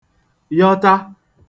yọta